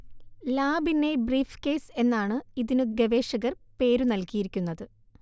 lab in a briefcase എന്നാണു ഇതിനു ഗവേഷകർ പേര് നല്കിയിരിക്കുന്നത്